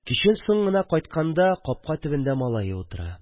Кичен соң гына кайтканда капка төбендә малае утыра